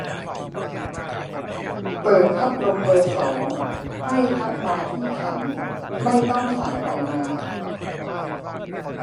เปิดพัดลมเบอร์สองให้พัดมาที่ฉันไม่ต้องส่ายไปมา